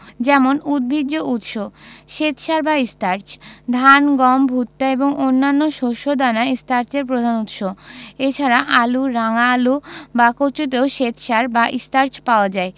যেমন উদ্ভিজ্জ উৎস শ্বেতসার বা স্টার্চ ধান গম ভুট্টা এবং অন্যান্য শস্য দানা স্টার্চের প্রধান উৎস এছাড়া আলু রাঙা আলু বা কচুতেও শ্বেতসার বা স্টার্চ পাওয়া যায়